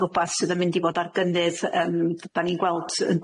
rwbath sydd yn mynd i fod ar gynnydd yym 'dan ni'n gweld yn